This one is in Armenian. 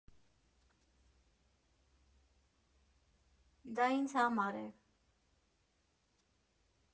Դա ինձ համար է։